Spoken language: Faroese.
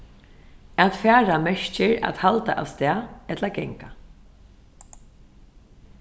at fara merkir at halda avstað ella ganga